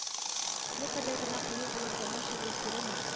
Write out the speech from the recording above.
Никадәр генә кыю булып, заманча булып күренмим